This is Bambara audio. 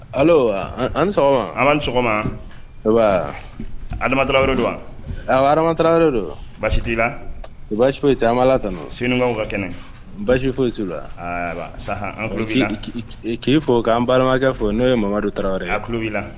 Ayiwa an sɔgɔma an sɔgɔmata don wata don basi t' la basi foyi tɛ la sen ka kɛnɛ basi foyi su sa k' fɔ'an balimakɛ fɔ n'o ye mamamadu don tarawele ye kulo' la